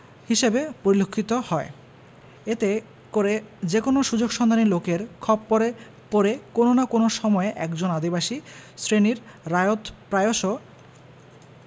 হিসেবে পরিলক্ষিত হয় এতে করে যেকোন সুযোগ সন্ধানী লোকের খপ্পরে পড়ে কোন না কোন সময়ে একজন আদিবাসী শ্রেণীর রায়ত প্রায়শ